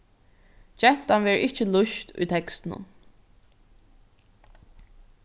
gentan verður ikki lýst í tekstinum